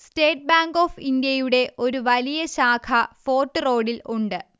state bank of ഇന്ത്യയുടെ ഒരു വലിയ ശാഖ ഫോര്ട്ട് റോഡിൽ ഉണ്ട്